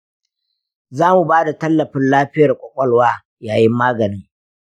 za mu ba da tallafin lafiyar kwakwalwa yayin maganin.